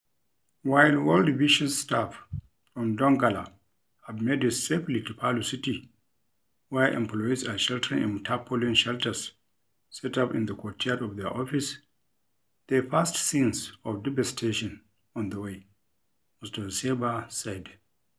While World Vision's staff from Donggala have made it safely to Palu city, where employees are sheltering in tarpaulin shelters set up in the courtyard of their office, they passed scenes of devastation on the way, Mr. Doseba said.